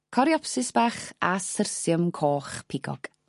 coreopsis bach a cirsium coch pigog.